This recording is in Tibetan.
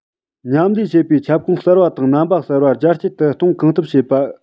མཉམ ལས བྱེད པའི ཁྱབ ཁོངས གསར པ དང རྣམ པ གསར པ རྒྱ སྐྱེད དུ གཏོང གང ཐུབ བྱེད པ